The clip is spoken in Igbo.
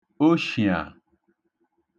oshìà